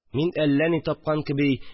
Мин, әллә ни тапкан кеби